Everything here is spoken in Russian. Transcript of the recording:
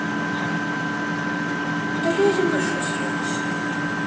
удали один большой соленый сет